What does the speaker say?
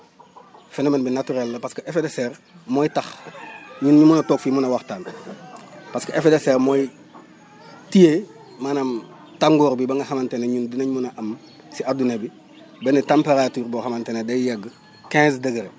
phénomène bu naturel ;fra la parce que effet de serre mooy tax ñun ñu mun a toog fii mën a waxtaan b parce que effet de serre mooy téye maanam tàngoor bi ba nga xamante ne ñun dinañ mun a am si adduna bi benn température boo xamante ne day yegg quinze degré